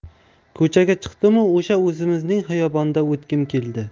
ko'chaga chiqdimu o'sha o'zimizning xiyobondan o'tgim keldi